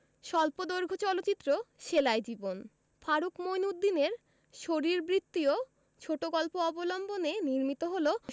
স্বল্পদৈর্ঘ্য চলচ্চিত্র সেলাই জীবন ফারুক মইনউদ্দিনের শরীরবৃত্তীয় ছোট গল্প অবলম্বনে নির্মিত হল